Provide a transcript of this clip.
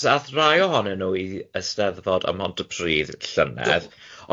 Ath rai ohonyn nhw i Eisteddfod ym Mhontypridd llynedd. Do